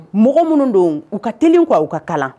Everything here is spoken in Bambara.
Mɔgɔ minnu don u ka t kɔ u ka kalan